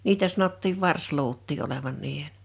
niitä sanottiin varsiluutia olevan niiden